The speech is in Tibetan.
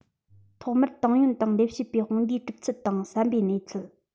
ཐོག མར ཏང ཡོན དང ལས བྱེད པའི དཔུང སྡེའི གྲུབ ཚུལ དང བསམ པའི གནས ཚུལ